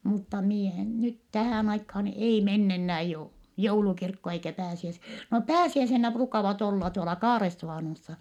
mutta minä en nyt tähän aikaan ei mennä enää - joulukirkko eikä - no pääsiäisenä ruukaavat olla tuolla Kaaresuvannossa